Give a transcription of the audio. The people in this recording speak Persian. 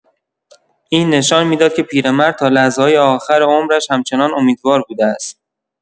این نشان می‌داد که پیرمرد تا لحظه‌های آخر عمرش همچنان امیدوار بوده است.